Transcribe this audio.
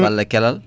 walla kelal